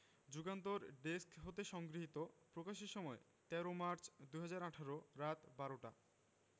Jugantor desk হতে সংগৃহীত প্রকাশের সময় ১৩ মার্চ ২০১৮ রাত ১২:০০ টা